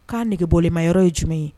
K'a nege bolima yɔrɔ ye jumɛn ye